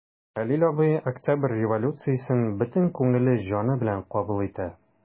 Хәлил абый Октябрь революциясен бөтен күңеле, җаны белән кабул итә.